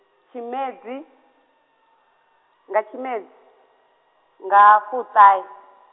tshimedzi, nga tshimedzi, nga fuṱahe.